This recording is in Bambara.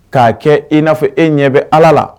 K'a kɛ i n'a fɔ e ɲɛ bɛ Allah la